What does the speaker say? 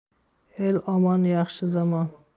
el omon yaxshi zamon